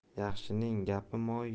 yaxshining gapi moy